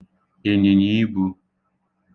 ị̀nyị̀nyìibū